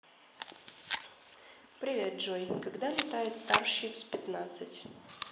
привет джой когда летает starships пятнадцать